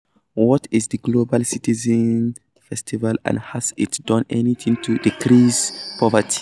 What is the Global Citizen Festival and Has it Done Anything to Decrease Poverty?